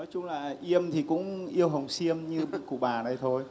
nói chung là iêm thì cũng yêu hồng xiêm như cụ bà đây thôi